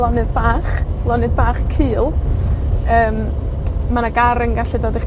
lonydd bach, lonydd bach cul, yym, ma' 'na gar yn gallu dod i'ch